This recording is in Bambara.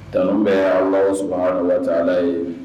T bɛ ala su waa taala ye